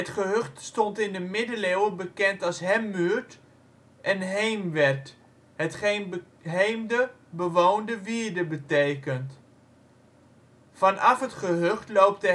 gehucht stond in de middeleeuwen bekend als Hemmuurdh en Heemwerd, hetgeen beheemde, bewoonde wierde betekent. Vanaf het gehucht loopt de